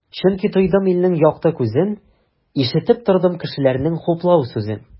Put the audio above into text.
Чөнки тойдым илнең якты күзен, ишетеп тордым кешеләрнең хуплау сүзен.